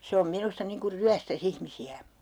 se on minusta niin kuin ryöstäisi ihmisiä